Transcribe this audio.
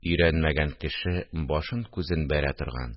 Өйрәнмәгән кеше башын-күзен бәрә торган